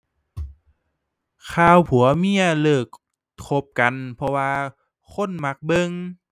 ข่าวผัวเมียเลิกคบกัน เพราะว่าคนมักเบิ่ง